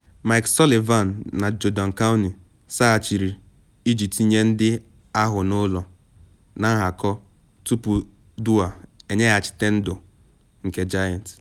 Mike Sullivan na Jordan Cownie saghachiri iji tinye ndị ahụ n’ụlọ na nhakọ tupu Dwyer eweghachite ndu nke Giants.